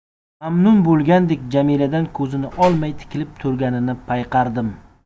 mamnun bo'lgandek jamiladan ko'zini olmay tikilib turganini payqardim